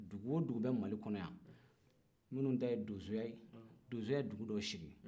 dugu o dugu bɛ mali kɔnɔ yan minnu ta ye donsoya ye donsoya ye dugu dɔw sigi